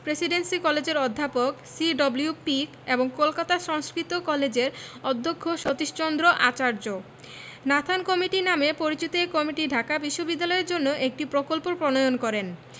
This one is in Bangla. প্রেসিডেন্সি কলেজের অধ্যাপক সি.ডব্লিউ পিক এবং কলকাতা সংস্কৃত কলেজের অধ্যক্ষ সতীশচন্দ্র আচার্য নাথান কমিটি নামে পরিচিত এ কমিটি ঢাকা বিশ্ববিদ্যালয়ের জন্য একটি প্রকল্প প্রণয়ন করেন